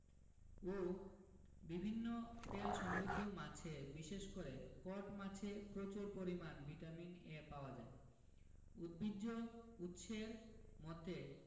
ও বিভিন্ন তেলসমৃদ্ধ মাছে বিশেষ করে কড মাছে প্রচুর পরিমান ভিটামিন A পাওয়া যায় উদ্ভিজ্জ উৎসের মধ্যে